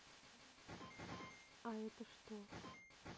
а это что